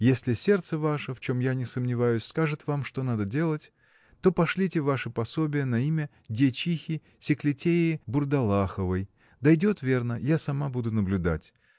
Если сердце ваше, в чем я не сомневаюсь, скажет вам, что надо делать, то пошлите ваше пособие на имя дьячихи Секлетеи Бурдалаховой, дойдет верно: я сама буду наблюдать.